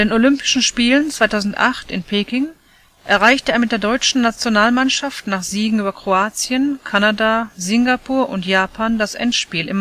Olympischen Spielen 2008 in Peking erreichte er mit der deutschen Nationalmannschaft nach Siegen über Kroatien, Kanada, Singapur und Japan das Endspiel